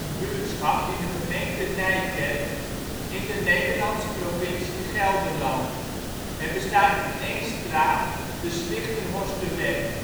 buurtschap in de gemeente Nijkerk in de Nederlandse provincie Gelderland. Het bestaat uit één straat, de Slichtenhorsterweg